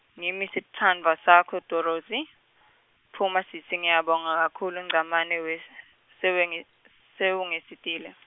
ngimi sitsandvwa sakho Dorothi, phuma sisi ngiyabonga kakhulu Ngcamane we, sewenge-, sewungisitile.